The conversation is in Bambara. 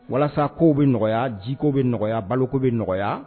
Walasa ko bɛ nɔgɔya jiko bɛ nɔgɔya balo bɛ nɔgɔya